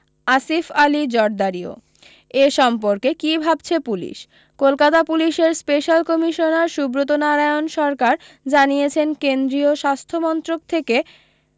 আসিফ আলি জারদারিও এ সম্পর্কে কী ভাবছে পুলিশ কলকাতা পুলিশের স্পেশ্যাল কমিশনার সুব্রতনারায়ণ সরকার জানিয়েছেন কেন্দ্রীয় স্বাস্থ্যমন্ত্রক থেকে